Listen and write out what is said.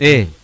e